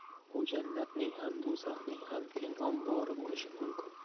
bu jannatning ham do'zaxning ham teng ombori bo'lishi mumkin